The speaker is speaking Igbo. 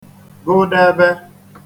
-gụdēbē